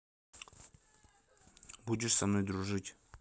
будешь со мной дружить